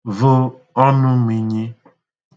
və̣ ọnụ mə̄nyī